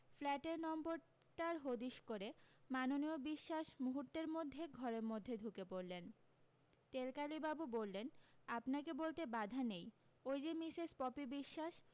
ফ্ল্যাটের নম্বরটার হদিশ করে মাননীয় বিশ্বাস মুহূর্তের মধ্যে ঘরের মধ্যে ঢুকে পড়লেন তেলকালিবাবু বললেন আপনাকে বলতে বাধা নেই ওই যে মিসেস পপি বিশ্বাস